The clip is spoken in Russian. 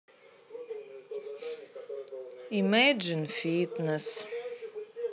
имеджин фитнес